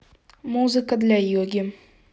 музыка для йоги